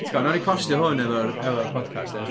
ti'n gwbod wnawn ni postio hwn efo'r efo'r podcast ia